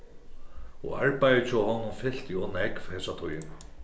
og arbeiðið hjá honum fylti ov nógv hesa tíðina